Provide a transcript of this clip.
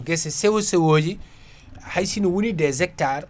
guesse sewo sewoji hay sinno woni des hectares